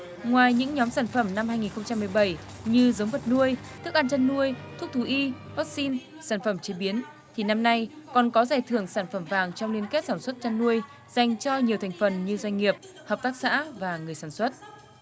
ngoài những nhóm sản phẩm năm hai nghìn không trăm mười bảy như giống vật nuôi thức ăn chăn nuôi thuốc thú y vắc xin sản phẩm chế biến thì năm nay còn có giải thưởng sản phẩm vàng trong liên kết sản xuất chăn nuôi dành cho nhiều thành phần như doanh nghiệp hợp tác xã và người sản xuất